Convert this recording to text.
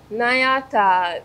Naa y'a ta